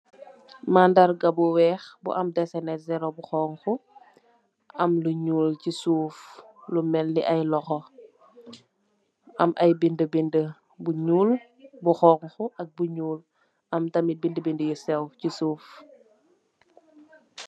Mandarga bu weex, bu am desene zero bu xonxu, am lu nyuul si suuf, lu melni ay loxo, am ay bind-bind bu nyuul, bu xonxu, ak bu nyuul, am tamit bind-bind yu sew, ci suuf.